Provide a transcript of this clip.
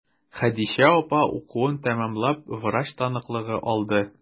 Хәдичә апа укуын тәмамлап, врач таныклыгы алды.